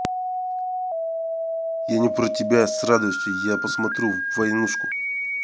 я не про тебя с радостью я посмотрю войнушку